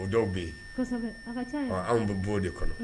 O dɔw be yen. Ɔ anw bi bɔ o de kɔnɔ.